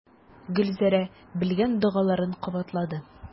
Гөлзәрә белгән догаларын кабатлады.